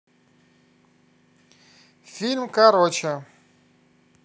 фильм короче